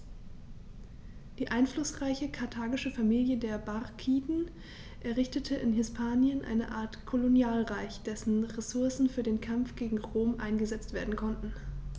Die einflussreiche karthagische Familie der Barkiden errichtete in Hispanien eine Art Kolonialreich, dessen Ressourcen für den Kampf gegen Rom eingesetzt werden konnten.